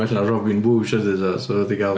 Well na Robin Whoosh wedyn 'sa fo 'di cael...